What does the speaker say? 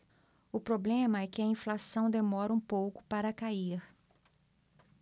o problema é que a inflação demora um pouco para cair